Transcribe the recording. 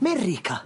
Merica?